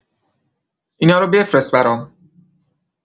اینا رو بفرست برام.